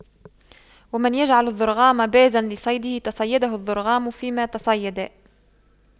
ومن يجعل الضرغام بازا لصيده تَصَيَّدَهُ الضرغام فيما تصيدا